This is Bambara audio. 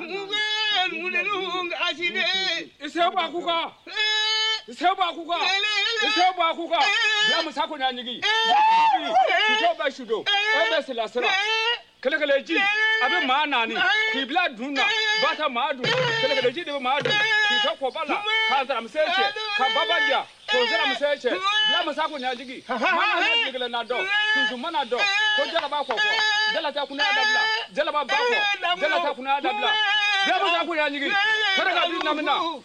Jji naani k' bila dundaj